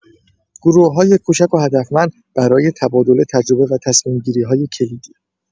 گروه‌های کوچک و هدفمند برای تبادل تجربه و تصمیم‌گیری‌های کلیدی